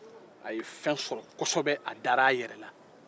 a ye fɛn sɔrɔ kosɛbɛ a dara a yɛrɛ la